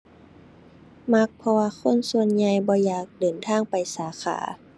มัก เพราะว่าคนส่วนใหญ่ บ่อยากเดินทางไปสาขา